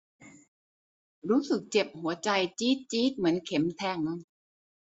รู้สึกเจ็บหัวใจจี๊ดจี๊ดเหมือนเข็มแทง